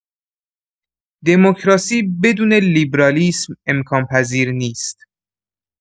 دموکراسی بدون لیبرالیسم امکان‌پذیر نیست.